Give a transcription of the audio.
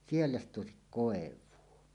siellä sitä olisi koivua